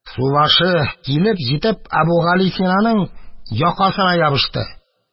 Субашы, килеп җитеп, Әбүгалисинаның якасына ябышты